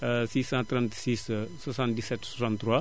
636 77 63